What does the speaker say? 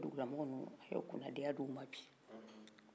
dugula mɔgɔ nunn a y'o kunadiya d'u ma bi